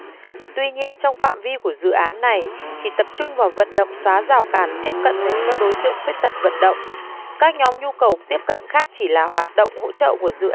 tuy nhiên trong phạm vi của dự án này chỉ tập trung vào vận động xóa rào cản tiếp cận dành cho đối tượng khuyết tật vận động các nhóm nhu cầu tiếp cận khác chỉ là hoạt động hỗ trợ của dự án